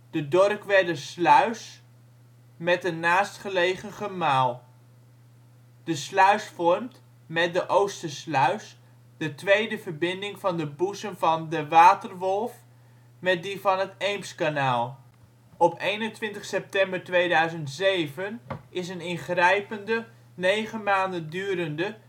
de Dorkwerdersluis met een naastgelegen gemaal. De sluis vormt (met de Oostersluis) de tweede verbinding van de boezem van De Waterwolf met die van het Eemskanaal. Op 21 september 2007 is een ingrijpende - negen maanden durende